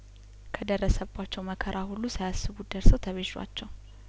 ከደረሰባቸው መከራ ሁሉ ሳያስቡት ደርሰው ተቤዧቸው